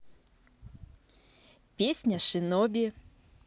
песня шиноби